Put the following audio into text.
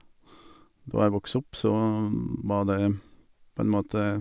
Da jeg vokste opp, så var det på en måte...